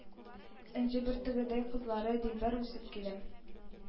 Энҗе бөртегедәй кызлары дилбәр үсеп килә.